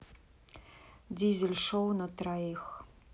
дизель шоу на троих